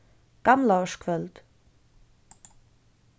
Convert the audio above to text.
gamlaárskvøld